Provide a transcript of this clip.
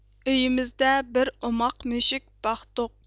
ئۆيىمىزدە بىر ئوماق مۈشۈك باقتۇق